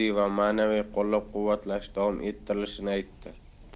ma'naviy qo'llab quvvatlash davom ettirilishini aytdi